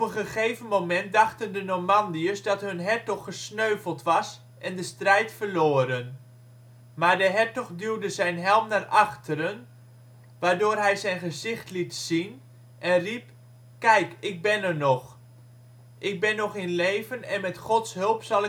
gegeven moment dachten de Normandiërs dat hun hertog gesneuveld was en de strijd verloren. Maar de hertog duwde zijn helm naar achteren, waardoor hij zijn gezicht liet zien en riep; " Kijk, ik ben er nog. Ik ben nog in leven en met Gods hulp zal